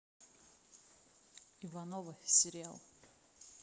ивановы сериал